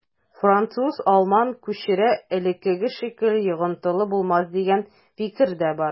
Француз-герман күчәре элеккеге шикелле йогынтылы булмас дигән фикер дә бар.